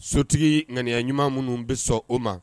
Sotigi ŋaniya ɲuman minnu bɛ sɔn o ma